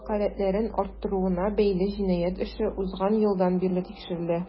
Вәкаләтләрен арттыруына бәйле җинаять эше узган елдан бирле тикшерелә.